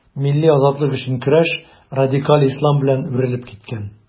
Милли азатлык өчен көрәш радикаль ислам белән үрелеп киткән.